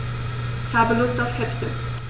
Ich habe Lust auf Häppchen.